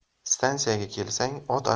stansiyaga kelsang ot